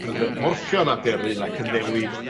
yn yy morffio'n aderyn ac yn newid